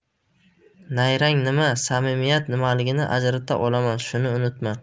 nayrang nima samimiyat nimaligini ajrata olaman shuni unutma